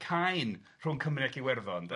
...caen rhwng Cymru ac Iwerddon de.